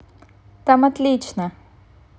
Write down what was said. там отлично